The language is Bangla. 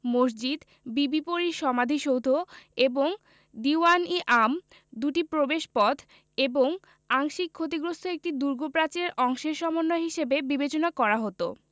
মসজিদ বিবি পরীর সমাধিসৌধ এবং দীউয়ান ই আম দুটি প্রবেশপথ এবং আংশিক ক্ষতিগ্রস্ত একটি দুর্গ প্রাচীরের অংশের সমন্বয় হিসেবে বিবেচনা করা হতো